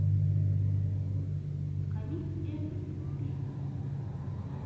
камиль и аминка песни